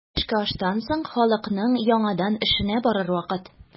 Төшке аштан соң халыкның яңадан эшенә барыр вакыты.